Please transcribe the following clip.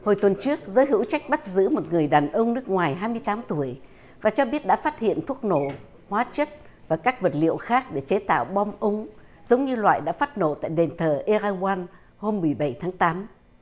hồi tuần trước giới hữu trách bắt giữ một người đàn ông nước ngoài hai mươi tám tuổi và cho biết đã phát hiện thuốc nổ hóa chất và các vật liệu khác để chế tạo bom ống giống như loại đã phát nổ tại đền thờ e ra goan hôm mười bảy tháng tám